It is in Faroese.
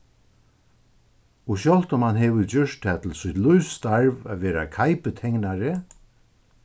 og sjálvt um hann hevur gjørt tað til sítt lívsstarv at vera keiputeknari